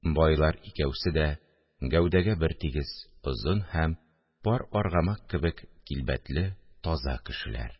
Байлар икәүсе дә – гәүдәгә бертигез, озын һәм пар аргамак кебек килбәтле, таза кешеләр